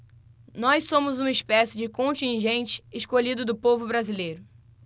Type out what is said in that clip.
nós somos uma espécie de contingente escolhido do povo brasileiro